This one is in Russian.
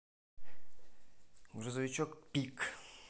грузовичок пик